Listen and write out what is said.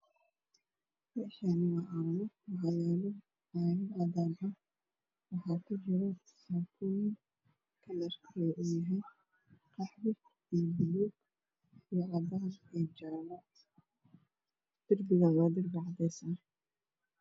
Meeshaani waa carwo waxaa yaalo caagag cadaan ah waxaa ku jira saakooyin kalar koodii yahay qaxwi iyo buluug iyo cadaan iyo jaalo derbiga waa derbi cadees ah